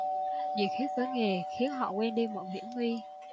nhiệt huyết với nghề khiến họ quên đi mọi hiểm nguy